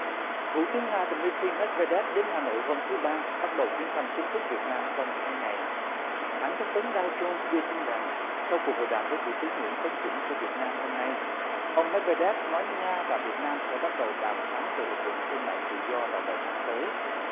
thủ tướng nga đờ mê truym mét ve đét đến hà nội hôm thứ ba bắt đầu chuyến thăm chính thức việt nam trong hai ngày hãng thông tấn đao giôn đưa tin rằng sau cuộc hội đàm với thủ tướng nguyễn tấn dũng của việt nam hôm nay ông mét ve đét nói nga và việt nam sẽ bắt đầu đàm phán về hiệp định thương mại tự do vào đầu năm tới